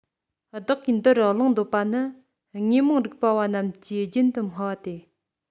བདག གིས འདི རུ གླེང འདོད པ ནི དངོས མང རིག པ བ རྣམས ཀྱིས རྒྱུན དུ སྨྲ བ སྟེ